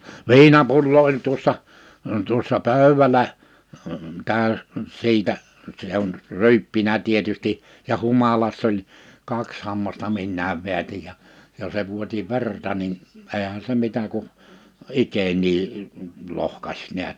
viinapullo oli tuossa tuossa pöydällä täysi siitä se on ryyppinyt tietysti ja humalassa oli kaksi hammasta minäkin vedätin ja ja se vuoti verta niin eihän se mitä kuin ikeniä lohkaisi näet